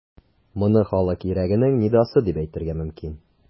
Моны халык йөрәгенең нидасы дип әйтергә мөмкин.